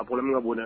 A bɔlɔ min ka bɔɛ